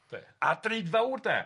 a drud fawr de.